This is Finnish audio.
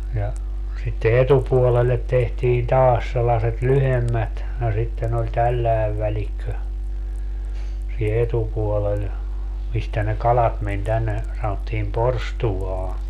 ja sitten etupuolelle tehtiin taas sellaiset lyhyemmät no sitten oli tällainen välikkö siinä etupuolella mistä ne kalat meni tänne sanottiin porstuaan